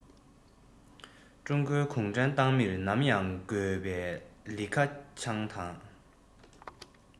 ཀྲུང གོའི གུང ཁྲན ཏང མིར ནམ ཡང དགོས པའི ལི ཁེ ཆང དང